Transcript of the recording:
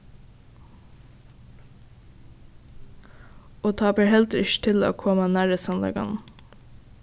og tá ber heldur ikki til at koma nærri sannleikanum